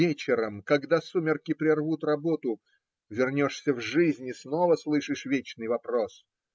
Вечером, когда сумерки прервут работу, вернешься в жизнь и снова слышишь вечный вопрос